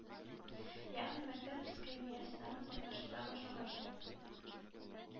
Ягъни мәктәп эскәмиясеннән үк катнаштыра башларга кирәк